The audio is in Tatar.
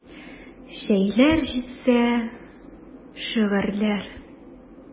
Җәйләр җитсә: шигырьләр.